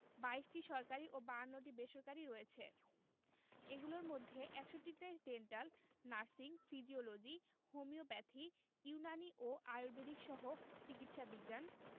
২২টি সরকারি ও ৫২টি বেসরকারি রয়েছে এগুলোর মধ্যে ৬১টিতে dental nursing physiology homeopathy Unani ও আর্য়ুবেদিকসহ চিকিৎসা বিজ্ঞান